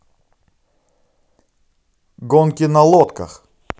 гонки на лодках